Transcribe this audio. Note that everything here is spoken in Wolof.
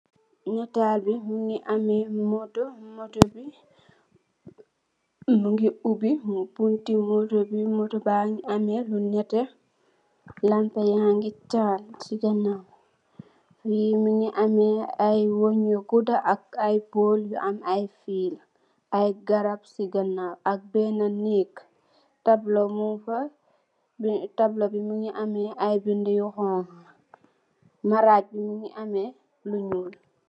Nataal bi mu ngi amee motto. Motto bi, mu ngi ubbi, bunti motto bi mu ngi, motto baa ngi amee lu nétté, lampa yaa ngi taal si, ganaaw. Mu ngi amee ay wéñge yu gudda ak ay pool yu am ay fiil, ay garab si ganaaw, ak beenë nëëk, tabla mung fa, tabla bi mu ngi am ay bindë yu xoñga, maraaj bi mu ngi amee...